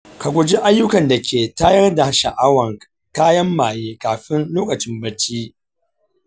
ka guji ayyukan da ke tayar da sha’awan kayan maye kafin lokacin bacci.